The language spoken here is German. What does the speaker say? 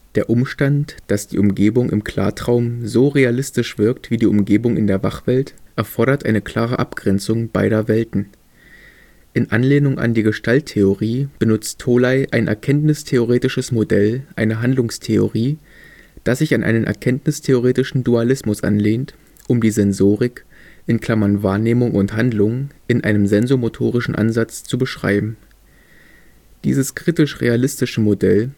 Der Umstand, dass die Umgebung im Klartraum so realistisch wirkt wie die Umgebung in der Wachwelt, erfordert eine klare Abgrenzung beider Welten. In Anlehnung an die Gestalttheorie benutzt Tholey ein erkenntnistheoretisches Modell einer Handlungstheorie, das sich an einen erkenntnistheoretischen Dualismus anlehnt, um die Sensorik (Wahrnehmung und Handlung) in einem sensomotorischen Ansatz zu beschreiben. Dieses kritisch-realistische Modell